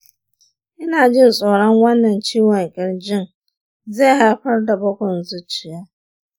ina jin tsoron wannan ciwon kirjin zai haifar da bugun zuciya.